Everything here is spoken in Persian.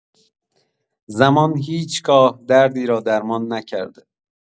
زمان هیچ‌گاه دردی را درمان نکرده.